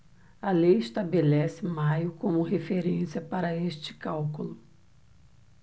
a lei estabelece maio como referência para este cálculo